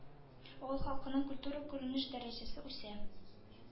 Авыл халкының культура-көнкүреш дәрәҗәсе үсә.